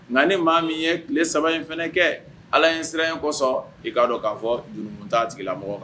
Nka ni maa min ye tile saba in fana kɛ ala ye siran in kɔsɔn i k'a dɔn k'a fɔum tigi mɔgɔ kan